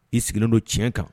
I sigilen don tiɲɛ kan